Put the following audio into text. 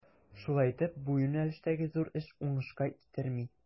Шулай итеп, бу юнәлештәге зур эш уңышка китерми.